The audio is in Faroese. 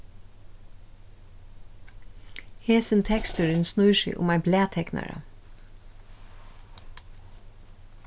hesin teksturin snýr seg um ein blaðteknara